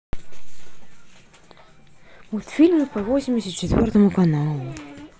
мультфильмы по восемьдесят четвертому каналу